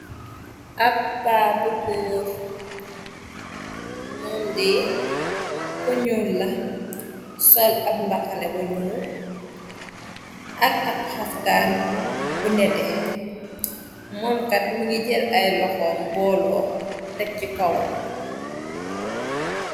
ab pa bu kur mom di ku ñul la chal ab mbaxane ak ab xaxtaan bu nete moomkat mi ngi jël ay loxom boolo tek ci kawam